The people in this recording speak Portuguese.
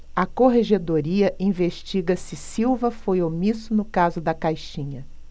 a corregedoria investiga se silva foi omisso no caso da caixinha